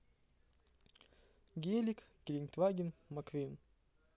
гелик гелентваген маквин